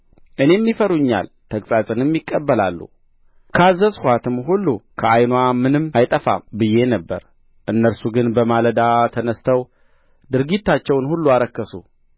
እኔም ይፈሩኛል ተግሣጽንም ይቀበላሉ ካዘዝኋትም ሁሉ ከዓይንዋ ምንም አይጠፋም ብዬ ነበር እነርሱ ግን በማለዳ ተነሥተው ድርጊታቸውን ሁሉ አረከሱ